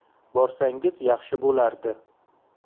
borsangiz yaxshi bo'lardi